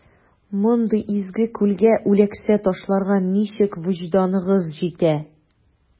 Мондый изге күлгә үләксә ташларга ничек вөҗданыгыз җитә?